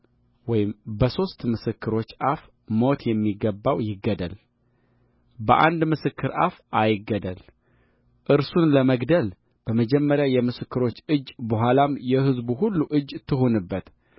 ወይም በሦስት ምስክሮች አፍ ሞት የሚገባው ይገደል በአንድ ምስክር አፍ አይገደል እርሱን ለመግደል በመጀመሪያ የምስክሮች እጅ በኋላም የሕዝቡ ሁሉ እጅ ትሁንበት